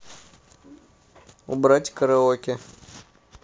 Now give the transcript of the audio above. убрать караоке